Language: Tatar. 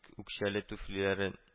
Үкчәле түфлиләрен